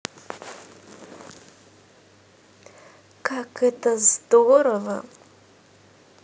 как это так здорово